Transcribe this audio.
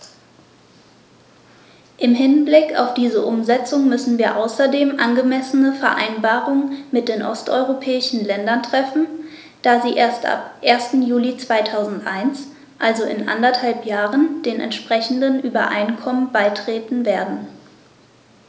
Im Hinblick auf diese Umsetzung müssen wir außerdem angemessene Vereinbarungen mit den osteuropäischen Ländern treffen, da sie erst ab 1. Juli 2001, also in anderthalb Jahren, den entsprechenden Übereinkommen beitreten werden.